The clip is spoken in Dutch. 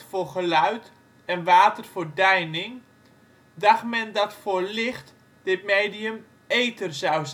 geluid en water voor deining, dacht men dat voor licht dit medium ether zou zijn